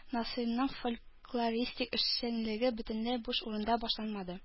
Насыйриның фольклористик эшчәнлеге бөтенләй буш урында башланмады